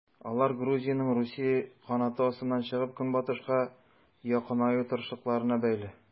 Алар Грузиянең Русия канаты астыннан чыгып, Көнбатышка якынаю тырышлыкларына бәйле.